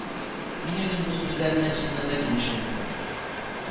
Мин үзем бу сүзләр белән чыннан да килешәм